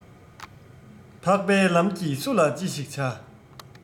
འཕགས པའི ལམ གྱིས སུ ལ ཅི ཞིག བྱ